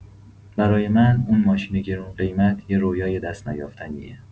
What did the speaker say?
برای من اون ماشین گرون‌قیمت یه رویای دست‌نیافتنیه.